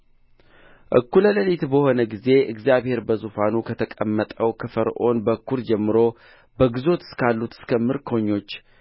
እኩል ሌሊት በሆነ ጊዜ እግዚአብሔር በዙፋን ከተቀመጠው ከፈርዖን በኵር ጀምሮ በግዞት እስካሉት እስከ ምርኮኞቹ